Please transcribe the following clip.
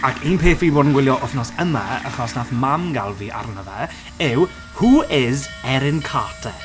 Ac un peth fi 'di bod yn gwylio wythnos yma achos wnaeth mam gael fi arno fe yw who is Erin Carter?